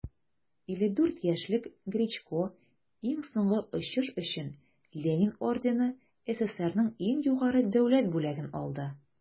54 яшьлек гречко иң соңгы очыш өчен ленин ордены - сссрның иң югары дәүләт бүләген алды.